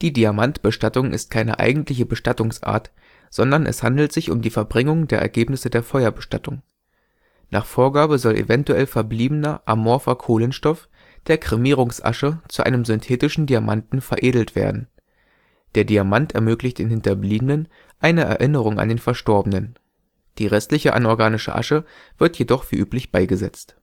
Diamantbestattung ist keine eigentliche Bestattungsart, sondern es handelt sich um die Verbringung der Ergebnisse der Feuerbestattung. Nach Vorgabe soll eventuell verbliebener amorpher Kohlenstoff der Kremierungsasche zu einem synthetischen Diamanten „ veredelt “werden. Der Diamant ermöglicht den Hinterbliebenen eine Erinnerung an den Verstorbenen. Die (restliche) anorganische Asche wird jedoch wie üblich beigesetzt